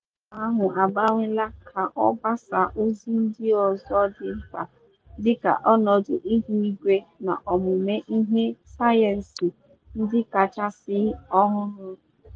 Mana ebe ọgbakọ ahụ agbanwela ka o gbasa ozi ndị ọzọ dị mkpa, dị ka ọnọdụ ihu igwe na omume ihe sayensị ndị kachasị ọhụrụ.